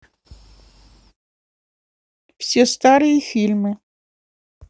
все старые фильмы